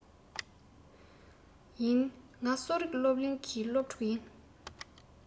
ཡིན ང གསོ རིག སློབ གླིང གི སློབ ཕྲུག ཡིན